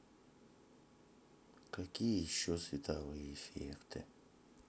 какие еще световые эффекты